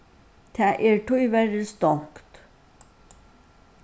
tað er tíverri stongt